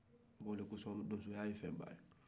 o de kɔsɔ donsoya ye fɛn ba ye